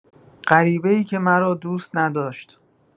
غریبه‌ای که مرا دوست نداشت